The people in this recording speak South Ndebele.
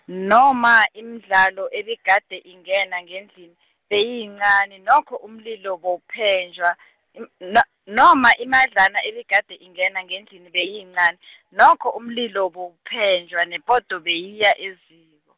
noma imidlalo ebikade ingena ngendlini, beyiyincani, nokho umlilo bewuphenjwa , n- no- noma imadlana ebekade ingena ngendlini beyiyincani, nokho umlilo bewuphenjwa, nepoto beyiya eziko.